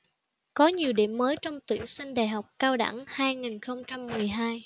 có nhiều điểm mới trong tuyển sinh đại học cao đẳng hai nghìn không trăm mười hai